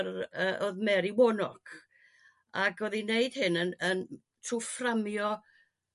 r- yrrr o'dd Mary Warnok. Ag o'dd 'i'n wneud hyn yn yn... Trw' fframio